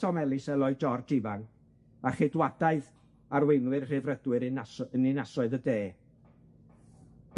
Tom Ellis a Lloyd George ifanc, a cheidwadaeth arweinwyr Rhyddfrydwyr unaso- yn ninasoedd y de.